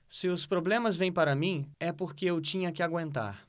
se os problemas vêm para mim é porque eu tinha que aguentar